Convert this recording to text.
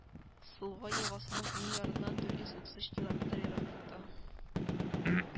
Сылва елгасының уң ярыннан дүрт йөз утыз өч километр ераклыкта